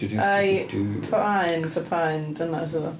Ai paun ta paun dynas oedd o?